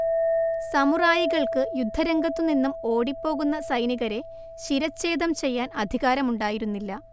സമുറായികൾക്ക് യുദ്ധരംഗത്തുനിന്നും ഓടിപ്പോകുന്ന സൈനികരെ ശിരഛേദം ചെയ്യാൻ അധികാരമുണ്ടായിരുന്നില്ല